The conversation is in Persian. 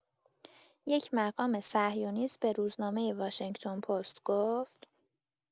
یک مقام صهیونیست به روزنامه واشنگتن‌پست گفت